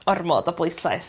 ormod o bwyslais...